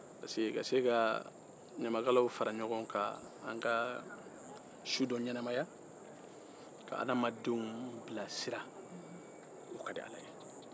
ka se ka ɲamakalaw fara ɲɔgɔn kan an ka su dɔ ɲɛnamaya ka adamadenw bilasira o ka di ala ye